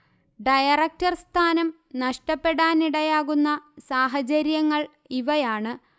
director സ്ഥാനം നഷ്ടപ്പെടാനിടയാക്കുന്ന സാഹചര്യങ്ങൾ ഇവയാണ്